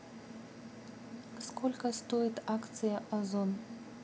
сколько стоит акция озон